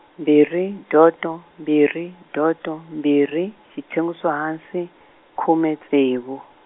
mbirhi doto mbirhi doto mbirhi xitlhenguso hansi, khume tsevu.